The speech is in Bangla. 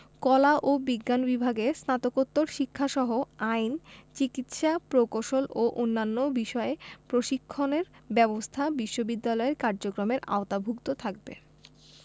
কলা ও বিজ্ঞান বিভাগে স্নাতকোত্তর শিক্ষাসহ আইন চিকিৎসা প্রকৌশল ও অন্যান্য বিষয়ে প্রশিক্ষণের ব্যবস্থা বিশ্ববিদ্যালয়ের কার্যক্রমের আওতাভুক্ত থাকবে